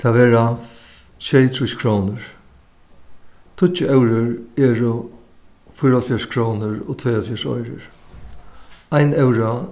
tað verða sjeyogtrýss krónur tíggju evrur eru fýraoghálvfjerðs krónur og tveyoghálvfjerðs oyrur ein evra